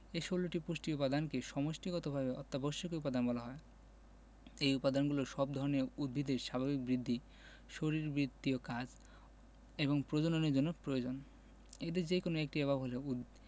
এ ১৬টি পুষ্টি উপাদানকে সমষ্টিগতভাবে অত্যাবশ্যকীয় উপাদান বলা হয় এই উপাদানগুলো সব ধরনের উদ্ভিদের স্বাভাবিক বৃদ্ধি শারীরবৃত্তীয় কাজ এবং প্রজননের জন্য প্রয়োজন এদের যেকোনো একটির অভাব হলে